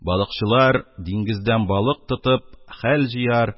Балыкчылар диңгездән балык тотып, хәл җыяр